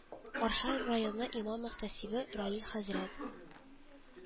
Арча районы имам мөхтәсибе Раил хәзрәт